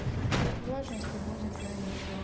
влажность ты будет да еще